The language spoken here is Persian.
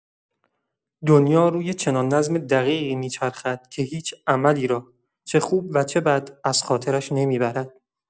دنیا روی چنان نظم دقیقی می‌چرخد که هیچ عملی را، چه خوب و چه بد، از خاطرش نمی‌برد!